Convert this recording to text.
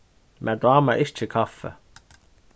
mær dámar ikki kaffi